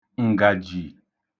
ǹgàjì